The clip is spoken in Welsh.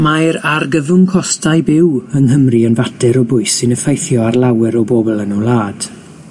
Mae'r argyfwng costau byw yng Nghymru yn fater o bwys sy'n effeithio ar lawer o bobol yn y wlad.